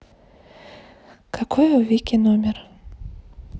какой у вики номер